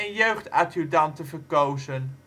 jeugdadjudanten gekozen